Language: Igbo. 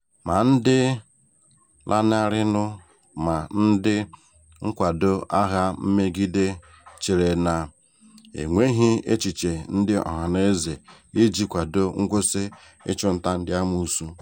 Ma ndị lanarịrịnụ ma ndị nkwado agha mmegide chere na enweghị echiche ndị ọhanaeze iji kwado nkwụsị ịchụnta ndị amoosu.